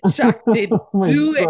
Shaq did do it.